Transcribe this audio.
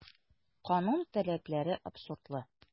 Канун таләпләре абсурдлы.